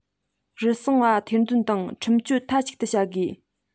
རུལ སུངས པ ཐེར འདོན དང ཁྲིམས གཅོད མཐའ གཅིག ཏུ བྱ དགོས